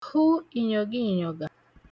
hụ ìnyògì ìnyògà